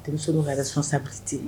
I bɛ sɔrɔ o ka yɛrɛ son sabate